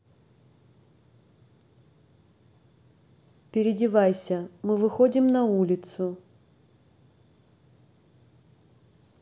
передевайся мы выходим на улицу